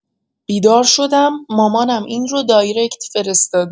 بیدار شدم مامانم این رو دایرکت فرستاده